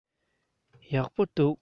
ཡག པོ འདུག